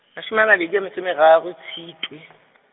mashome a mabedi a metse e meraro, Tshitwe .